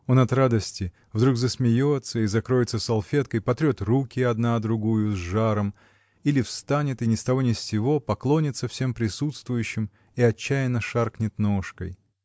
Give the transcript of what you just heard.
Он, от радости, вдруг засмеется и закроется салфеткой, потрет руки одна о другую с жаром или встанет и ни с того ни с сего поклонится всем присутствующим и отчаянно шаркнет ножкой.